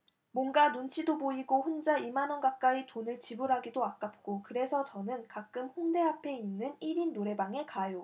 뭔가 눈치도 보이고 혼자 이 만 원 가까이 돈을 지불하기도 아깝고 그래서 저는 가끔 홍대앞에 있는 일 인 노래방에 가요